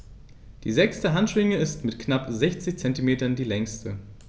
Die sechste Handschwinge ist mit knapp 60 cm die längste.